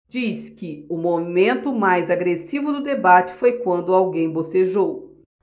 diz que o momento mais agressivo do debate foi quando alguém bocejou